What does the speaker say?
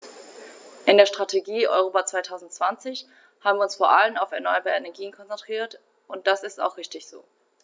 In der Strategie Europa 2020 haben wir uns vor allem auf erneuerbare Energien konzentriert, und das ist auch richtig so.